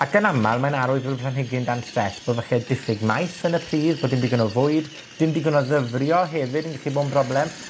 Ac yn amal mae'n arwydd fod y planhigyn dan stress, bo' falle diffyg maith yn y pridd bo' dim digon o fwyd, dim digon o ddyfrio hefyd yn gallu bod yn broblem.